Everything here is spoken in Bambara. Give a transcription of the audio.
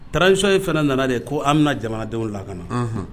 Tarawelesi ye fana nana de ye ko an bɛna jamana denw la ka na